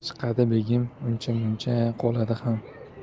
chiqadi begim uncha muncha qoladi ham